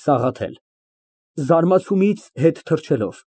ՍԱՂԱԹԵԼ ֊ (Զարմանալուց հետ թռչելով)